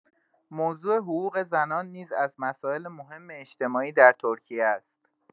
موضوع حقوق زنان نیز از مسائل مهم اجتماعی در ترکیه است.